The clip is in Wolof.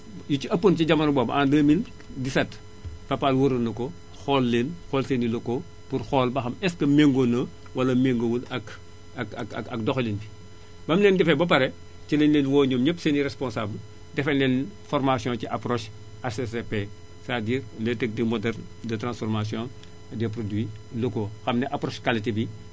yu ci ëppoon ci jamono boobu en 2017 Fapal wëroon na ko xool leen xool seen i locaux pour xool ba xam est ce que méngoo na wala méngoowul ak ak ak ak doxalin ba mu leen defalee ba pare ci lañu leen woo ñoom ñépp seen i responsable defal leen formation ci approche HTTP c' à dire les techniques modernes de transformation des produit locaux xam ne approche qualité bi